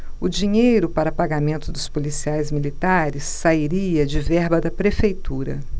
o dinheiro para pagamento dos policiais militares sairia de verba da prefeitura